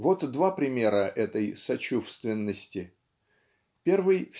Вот два примера этой сочувственности. Первый